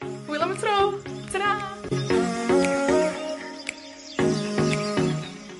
Hwyl am y tro, tara!